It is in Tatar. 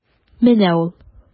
Менә ул.